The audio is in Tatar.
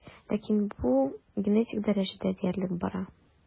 Ләкин бу генетик дәрәҗәдә диярлек бара.